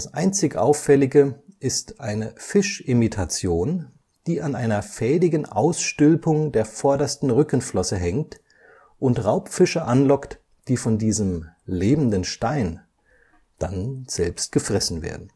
einzig Auffällige ist eine Fischimitation, die an einer fädigen Ausstülpung der vordersten Rückenflosse hängt und Raubfische anlockt, die von diesem " lebenden Stein " dann selbst gefressen werden